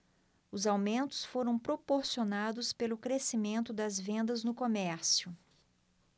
os aumentos foram proporcionados pelo crescimento das vendas no comércio